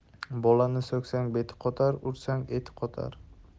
bolani so'ksang beti qotar ursang eti qotar